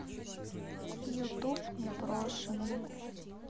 ютуб непрощенный